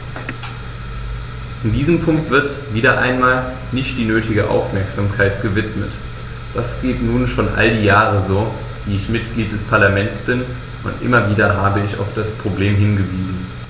Diesem Punkt wird - wieder einmal - nicht die nötige Aufmerksamkeit gewidmet: Das geht nun schon all die fünf Jahre so, die ich Mitglied des Parlaments bin, und immer wieder habe ich auf das Problem hingewiesen.